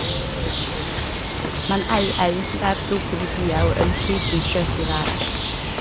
Men au, au , der sto politiet, og ølprisen skjøt i været.